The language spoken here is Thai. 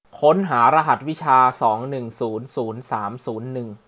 ค้นหารหัสวิชาสองหนึ่งศูนย์ศูนย์สามศูนย์หนึ่ง